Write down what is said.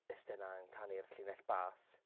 Iste 'na'n canu'r llinell bas.